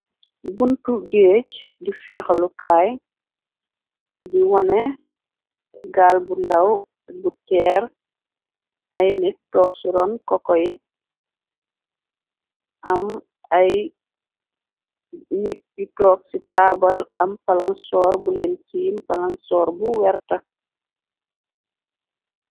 Buntu géej di feexalukaay di wone gaal bu ndàw bu teer ay nit toog ci ron koko yi am anit yi toog ci taabal am palansor bu leen tiim palansor bu werta.